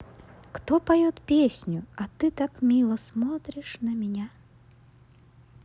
кто поет песню а ты так мило смотришь на меня